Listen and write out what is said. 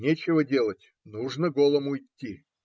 Нечего делать, нужно голому идти.